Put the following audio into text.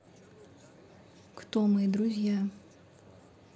кто мы друзья